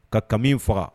Ka kami faga